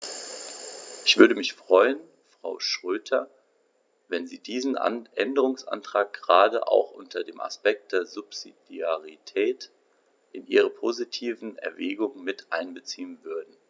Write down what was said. Ich würde mich freuen, Frau Schroedter, wenn Sie diesen Änderungsantrag gerade auch unter dem Aspekt der Subsidiarität in Ihre positiven Erwägungen mit einbeziehen würden.